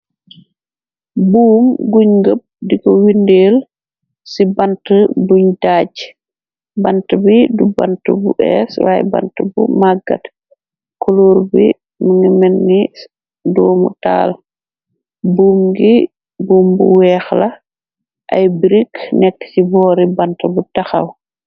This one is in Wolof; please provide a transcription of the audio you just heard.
Buum guñ ngëb diko windeel ci bant buñ daaj bant bi du bant bu s raay bant bu maggat koloor bi mungi menni doomu taal buum gi buum bu weex la ay brik nekk ci boori bant bu taxaw.